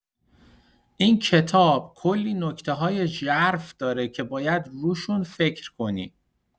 این کتاب کلی نکته‌های ژرف داره که باید روشون فکر کنی.